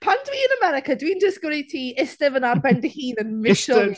Pan dwi yn America, dwi'n disgwyl i ti iste fan'na ar ben dy hun yn misio fi...